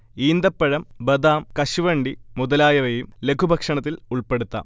ഈന്തപ്പഴം, ബദാം, കശുവണ്ടി മുതലായവയും ലഘുഭക്ഷണത്തിൽ ഉൾപ്പെടുത്താം